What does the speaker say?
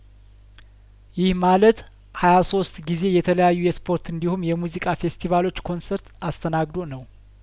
ይህ ማለት ሀያሶስት ጊዜ የተለያዩ የስፖርት እንዲሁም የሙዚቃ ፌስ ቲቫሎች ኮንሰርት አስተናግ ዶ ነው